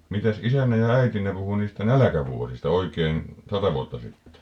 mitäs isänne ja äitinne puhui niistä nälkävuosista oikein sata vuotta sitten